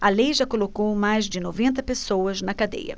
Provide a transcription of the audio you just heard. a lei já colocou mais de noventa pessoas na cadeia